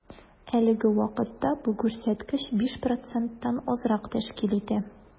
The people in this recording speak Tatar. Әлеге вакытта бу күрсәткеч 5 проценттан азрак тәшкил итә.